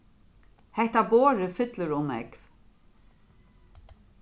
hetta borðið fyllir ov nógv